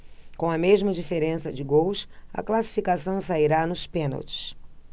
com a mesma diferença de gols a classificação sairá nos pênaltis